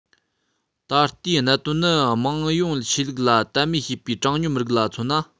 ད ལྟའི གནད དོན ནི དམངས ཡོངས ཆོས ལུགས ལ དད མོས བྱེད པའི གྲངས ཉུང མི རིགས ལ མཚོན ན